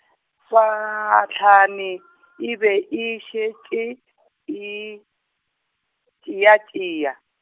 swahlane e be e šetše , e, tšeatšea.